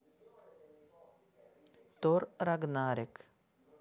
тор рагнарек